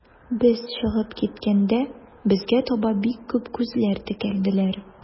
Без чыгып киткәндә, безгә таба бик күп күзләр текәлделәр.